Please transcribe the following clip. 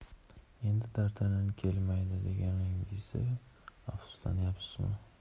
endi dartanyan kelmaydi deganingizga afsuslanyapsizmi